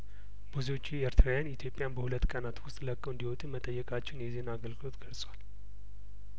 ብዙዎቹ ኤርትራውያን ኢትዮጵያን በሁለት ቀናት ውስጥ ለቀው እንዲወጡ መጠየቃቸውን የዜና አገልግሎቱ ገልጿል